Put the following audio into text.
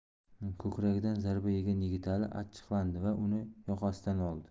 ko'kragidan zarba yegan yigitali achchiqlandi da uni yoqasidan oldi